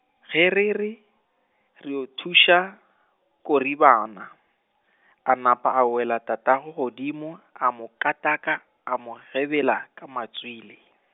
ge re re, re yo thuša, Koribana, a napa a wela tatago godimo, a mo kataka, a mo gebela, ka matswele.